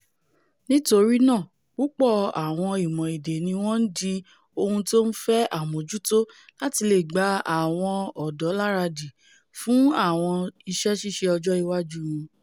Nítorínáà púpọ̀̀ àwọn ìmọ̀ èdè níwọ́n ńdi ohun tó ńfẹ̀ àmójútó láti leè gba àwọn ọ̀dọ́ láradì fún àwọn iṣẹ́-ìṣe ọjọ́ iwájú wọn.